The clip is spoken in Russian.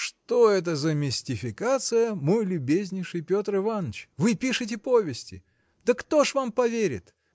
Что это за мистификация, мой любезнейший Петр Иваныч? Вы пишете повести! Да кто ж вам поверит?